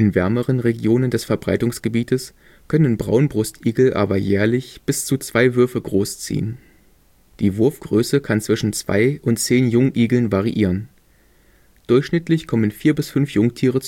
wärmeren Regionen des Verbreitungsgebietes können Braunbrustigel aber jährlich bis zu zwei Würfe großziehen. Die Wurfgröße kann zwischen zwei und zehn Jungigeln variieren. Durchschnittlich kommen vier bis fünf Jungtiere